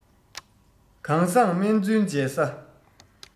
གང བཟང སྨན བཙུན མཇལ ས